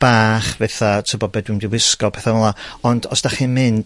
bach fetha t'bo' be' dwi'n mynd i wisgo, petha fel 'na, ond os 'dach chi'n mynd...